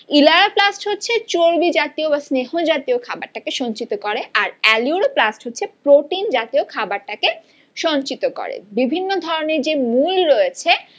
elaioplast হচ্ছে চর্বিজাতীয় বা স্নেহ জাতীয় খাবারটাকে সঞ্চিত করে আর অ্যালিউরোপ্লাস্ট হচ্ছে প্রোটিন জাতীয় খাবার টা কে সঞ্চিত করে বিভিন্ন ধরনের যে মূল রয়েছে